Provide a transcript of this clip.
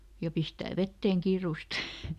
ja pistää veteen kiireesti